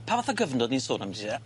Pa fath o gyfnod i'n sôn ambyti de?